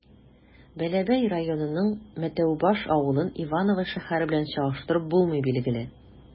Бәләбәй районының Мәтәүбаш авылын Иваново шәһәре белән чагыштырып булмый, билгеле.